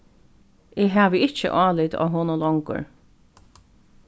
eg havi ikki álit á honum longur